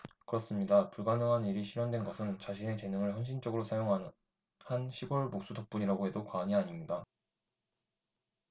그렇습니다 불가능한 일이 실현된 것은 자신의 재능을 헌신적으로 사용한 한 시골 목수 덕분이라고 해도 과언이 아닙니다